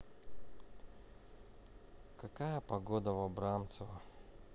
какая погода в абрамцево